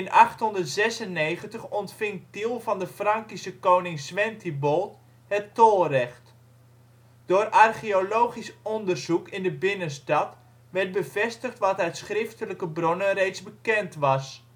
896 ontving Tiel van de Frankische koning Zwentibold het tolrecht. Door archeologisch onderzoek in de binnenstad werd bevestigd wat uit schriftelijke bronnen reeds bekend was: de stad